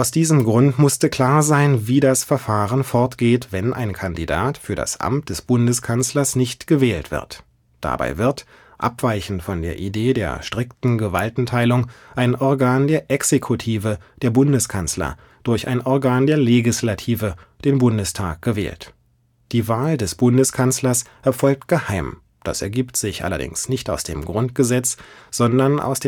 diesem Grund musste klar sein, wie das Verfahren fortgeht, wenn ein Kandidat für das Amt des Bundeskanzlers nicht gewählt wird. Dabei wird – abweichend von der Idee der strikten Gewaltenteilung – ein Organ der Exekutive, der Bundeskanzler, durch ein Organ der Legislative, den Bundestag, gewählt. Die Wahl des Bundeskanzlers erfolgt geheim; das ergibt sich allerdings nicht aus dem Grundgesetz, sondern aus